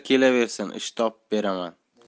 kelaversin ish topib beraman